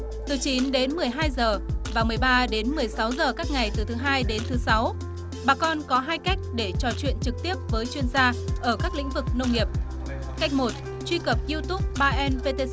từ chín đến mười hai giờ và mười ba cho đến mười sáu giờ các ngày từ thứ hai đến thứ sáu bà con có hai cách để trò chuyện trực tiếp với chuyên gia ở các lĩnh vực nông nghiệp cách một truy tập iu túp ba en vê tê